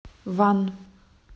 ван